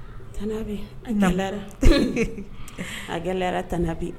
Tana bɛ la ayara t' bɛ